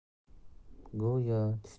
go'yo tushdagidek bu